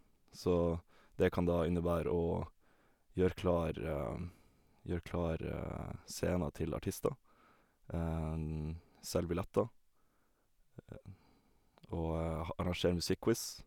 Så det kan da innebære å gjøre klar gjøre klar scenen til artister, selge billetter, og ha arrangere musikk-quiz.